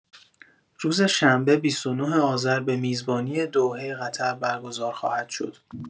روز شنبه ۲۹ آذر به میزبانی دوحه قطر برگزار خواهد شد.